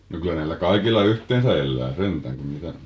no kyllä näillä kaikilla yhteensä elää sentään kun niitä